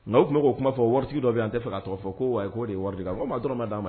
Nka u tun' o kuma fɔ wari dɔ bɛ yanan tɛ fɛ ka tɔgɔ fɔ ko waa k' de ye wari ma dɔrɔn d'a ma